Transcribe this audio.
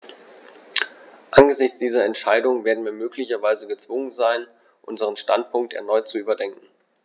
Angesichts dieser Entscheidung werden wir möglicherweise gezwungen sein, unseren Standpunkt erneut zu überdenken.